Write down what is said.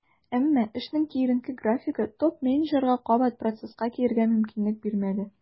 Әмма эшенең киеренке графигы топ-менеджерга кабат процесска килергә мөмкинлек бирмәде.